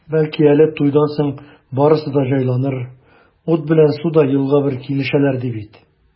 Бәлки әле туйдан соң барысы да җайланыр, ут белән су да елга бер килешәләр, ди бит.